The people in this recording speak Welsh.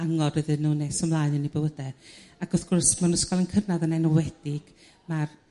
angor iddyn nhw nes ymlaen yn 'u bywyde ac wrth gwrs mewn ysgolion cynradd yn enwedig ma'r